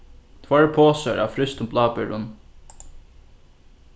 tveir posar av frystum bláberum